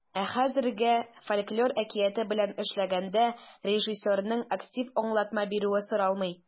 Ә хәзергә фольклор әкияте белән эшләгәндә режиссерның актив аңлатма бирүе соралмый.